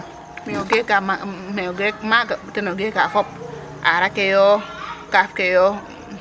Mee o geeka ma me o geekaa maaga ten o geeka fop aaraa ke yo kaaf ke yo?